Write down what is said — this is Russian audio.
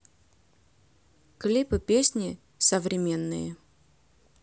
клипы песни современные